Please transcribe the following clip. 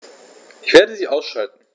Ich werde sie ausschalten